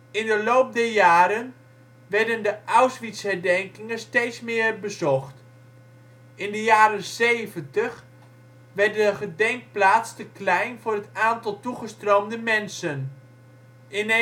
In de loop der jaren werden de Auschwitzherdenkingen steeds meer bezocht. In de jaren zeventig werd de gedenkplaats te klein voor het aantal toegestroomde mensen. In 1977